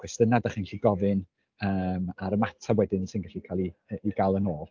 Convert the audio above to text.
Cwestiynau dach chi'n gallu gofyn yym a'r ymateb wedyn sy'n gallu cael ei gael yn ôl.